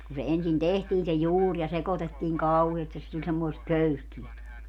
kun se ensin tehtiin se juuri ja sekoitettiin kauheasti että se tuli semmoista köyhkeää